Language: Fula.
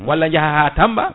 walla jaaha ha Tamba